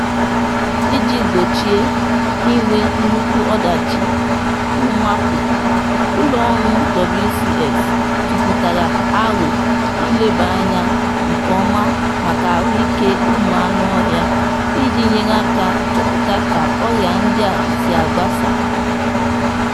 Iji gbochie inwe nnukwu ọdachi mwakpụ, ụlọ ọrụ WCS tụpụtara aro ilebanye anya nke ọma maka ahụike ụmụ anụọhịa iji nyere aka chọpụta ka ọrịa ndị a si agbasa.